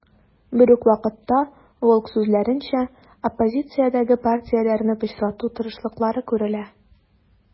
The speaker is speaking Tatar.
Берүк вакытта, Волк сүзләренчә, оппозициядәге партияләрне пычрату тырышлыклары күрелә.